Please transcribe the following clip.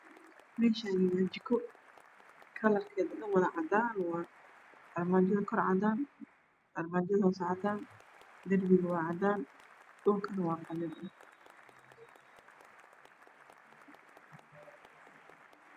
Meshani waa jiko kalarkeduna waa cadaan armajada kor cadan armajada hoos cadan darbiga waa cadan dhulkane waa qamadi